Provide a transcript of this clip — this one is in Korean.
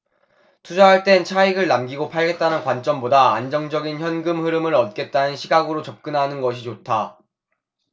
투자할 땐 차익을 남기고 팔겠다는 관점보다 안정적인 현금흐름을 얻겠다는 시각으로 접근하는 것이 좋다